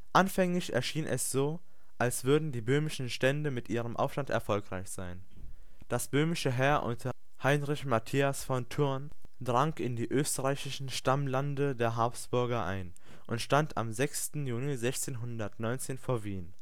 Anfänglich erschien es so, als würden die böhmischen Stände mit ihrem Aufstand erfolgreich sein. Das böhmische Heer unter Heinrich Matthias von Thurn drang in die österreichischen Stammlande der Habsburger ein und stand am 6. Juni 1619 vor Wien